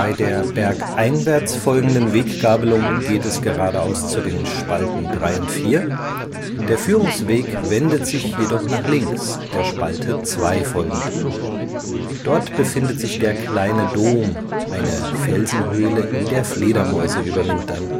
der bergeinwärts folgenden Weggabelung geht es geradeaus zu den Spalten 3 und 4, der Führungsweg wendet sich jedoch nach links, der Spalte 2 folgend. Dort befindet sich der Kleine Dom, eine Felsenhöhle, in der Fledermäuse überwintern